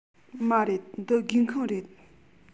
མ རེད འདི སྒེའུ ཁུང རེད